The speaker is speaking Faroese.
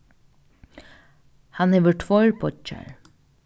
hann hevur tveir beiggjar